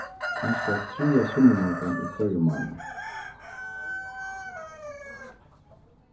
kanska triðja sunnumorgun í hvørjum mánað